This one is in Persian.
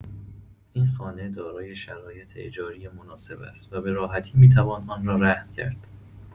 این خانه دارای شرایط اجاری مناسبی است و به راحتی می‌توان آن را رهن کرد.